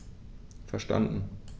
Verstanden.